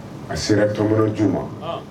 A sera toju ma